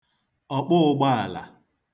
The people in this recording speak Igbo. ọ̀kpụụgbaàlà